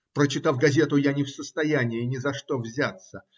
Прочитав газету, я не в состоянии ни за что взяться